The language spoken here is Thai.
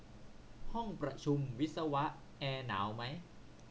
ห้องประชุมวิศวะแอร์หนาวมั้ย